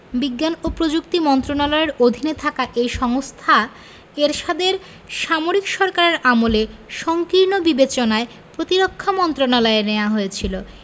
বিজ্ঞান ও প্রযুক্তি মন্ত্রণালয়ের অধীনে থাকা এই সংস্থা এরশাদের সামরিক সরকারের আমলে সংকীর্ণ বিবেচনায় প্রতিরক্ষা মন্ত্রণালয়ে নেওয়া হয়েছিল